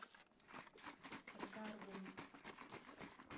река аргунь